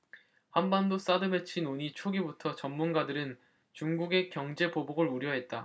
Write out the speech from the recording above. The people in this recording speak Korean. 한반도 사드 배치 논의 초기부터 전문가들은 중국의 경제 보복을 우려했다